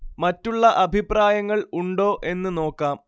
മറ്റുള്ള അഭിപ്രായങ്ങൾ ഉണ്ടോ എന്ന് നോക്കാം